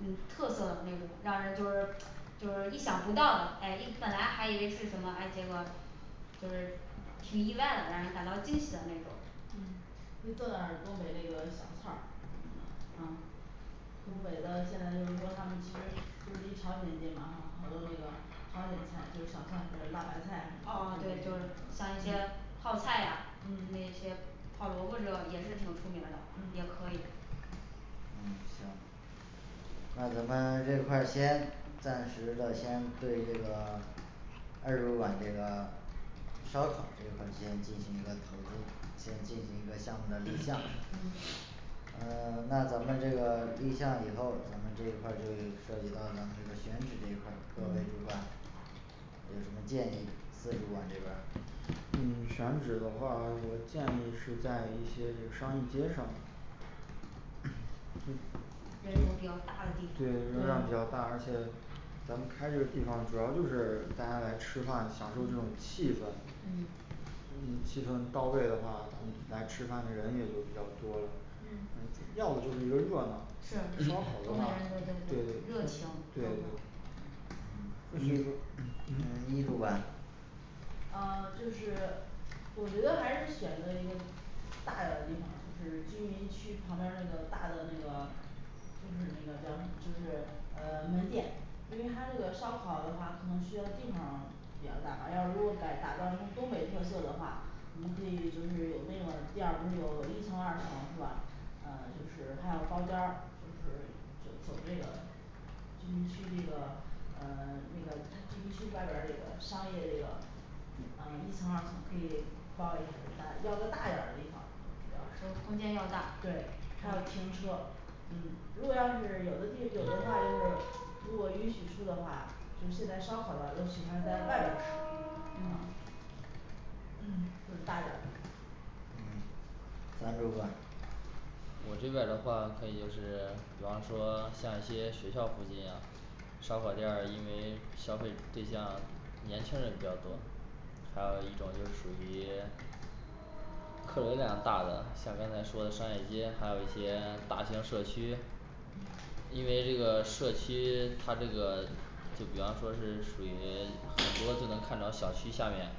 嗯特色的那种让人就是就是意想不到的哎一本来还以为是什么哎结果就是挺意外的让人感到惊喜的那种嗯可以做点儿东北那个小菜儿什么的啊东北的现在就是说他们其实不是离朝鲜近嘛哈好多那个朝鲜菜就是小菜和辣白菜哦对对像一些嗯泡菜呀那嗯些泡萝卜这种也是挺出名儿的也嗯可以嗯行那咱们这块儿先暂时的先对这个二主管这个烧烤这一块先进行一个投资先进行一个项目的立项嗯嗯 那咱们这个立项以后咱们这一块儿就会涉及到咱们这个选址这一块儿各位嗯主管有什么建议四主管这边儿嗯选址的话我建议是在一些这商业街上人流比较大的地对方人流量比对较大而且咱们开这个地方主要就是大家来吃饭享受这种嗯气氛嗯嗯气氛到位的话嗯来吃饭的人也就比较多了嗯嗯要的就是一个热闹是装东好的北话人对对对对热对情对这种对一主 嗯一主管呃 就是我觉得还是选择一大点儿的地方儿就是居民区旁边儿那个大的那个就是那个叫什么就是嗯门店因为它这个烧烤的话可能需要地方儿比较大但要如果改打造成东北特色的话我们可以就是有那个店儿不是有一层二层是吧啊就是还要包间儿就是就走这个居民区这个呃 那个它居民区外边儿这个商业这个呃一层二层可以包一下儿这要个大一点儿的地方我主要是空间要嗯大对还有停车嗯如果要是有的地有的话就是如果允许出的话就现在烧烤的话都喜欢在外边儿吃啊嗯 就是大点儿的地方三主管我这边儿的话可以是比方说像一些学校附近啊烧烤店儿因为消费对象年轻人比较多还有一种就属于客流量大的像刚才说的商业街还有一些大型社区嗯因为这个社区它这个就比方说是属于很多是能看到小区下面